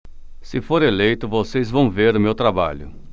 se for eleito vocês vão ver o meu trabalho